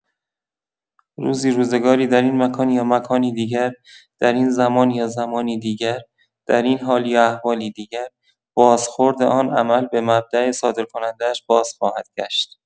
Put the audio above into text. روزی روزگاری در این مکان یا مکانی دیگر، در این زمان یا زمانی دیگر، در این حال یا احوالی دیگر، بازخورد آن عمل به مبدا صادرکننده‌اش باز خواهد گشت.